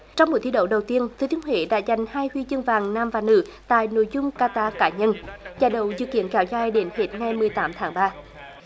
trong buổi thi đấu đầu tiên thừa thiên huế đã giành hai huy chương vàng nam và nữ tại nội dung ka ta cá nhân giải đấu dự kiến kéo dài đến hết ngày mười tám tháng ba